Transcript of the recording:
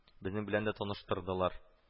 Безнең белән дә таныштырдылар